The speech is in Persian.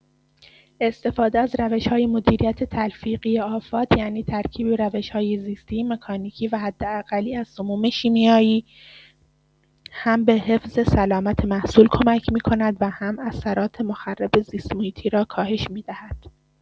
استفاده از روش‌های مدیریت تلفیقی آفات، یعنی ترکیب روش‌های زیستی، مکانیکی و حداقلی از سموم شیمیایی، هم به حفظ سلامت محصول کمک می‌کند و هم اثرات مخرب زیست‌محیطی را کاهش می‌دهد.